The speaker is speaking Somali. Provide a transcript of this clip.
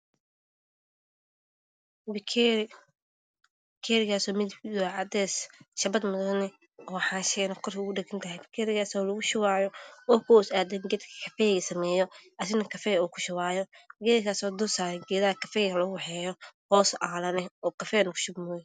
Waa bakeeri cadaan ah waxaa kor ogadhagan xaanshi madow, bakeeriga waxaa lugu shubahayaa kafay oo laga shuubaayo geedka kafayga sameeyo.